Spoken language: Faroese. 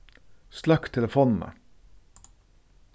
sløkk telefonina